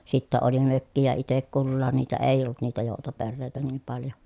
sitten oli mökkejä itse kullakin niitä ei ollut niitä joutoperheitä niin paljon